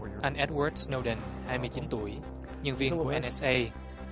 anh ét uốt sờ nâu đừn hai mươi chín tuổi nhân viên của en ét ây